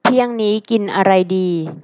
เที่ยงนี้กินอะไรดี